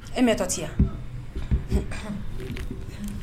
E ma tante ye wa ?